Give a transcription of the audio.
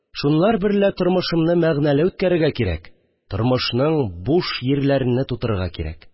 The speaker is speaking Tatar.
Шунлар берлә тормышны мәгънәле үткәрергә кирәк, тормышның буш йирләрене тутырырга кирәк